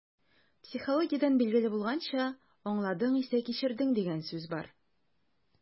Психологиядән билгеле булганча, «аңладың исә - кичердең» дигән сүз бар.